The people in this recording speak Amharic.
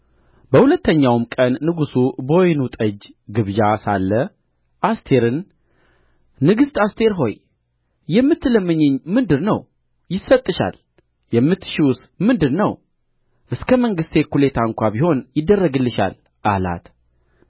በሁለተኛውም ቀን ንጉሡ በወይኑ ጠጅ ግብዣ ሳለ አስቴርን ንግሥት አስቴር ሆይ የምትለምኚኝ ምንድር ነው ይሰጥሻል የምትሺውስ ምንድር ነው እስከ መንግሥቴ እኵሌታ እንኳ ቢሆን ይደረግልሻል አላት